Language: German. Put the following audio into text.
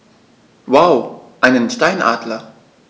Wow! Einen Steinadler?